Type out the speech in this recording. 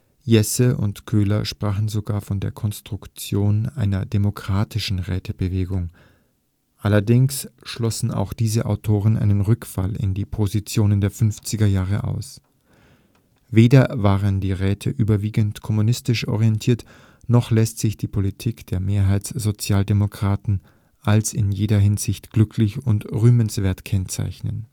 Jesse und Köhler sprachen sogar von der „ Konstruktion einer [demokratischen] Rätebewegung “. Allerdings schlossen auch diese Autoren einen „ Rückfall in die Positionen der fünfziger Jahre “aus: Weder waren die Räte überwiegend kommunistisch orientiert, noch lässt sich die Politik der Mehrheitssozialdemokraten als in jeder Hinsicht glücklich und rühmenswert kennzeichnen